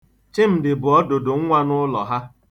Chimdị bụ ọdụdụ nwa n'ụlọ ha.